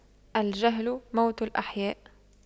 الجهل موت الأحياء